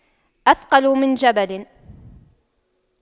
أثقل من جبل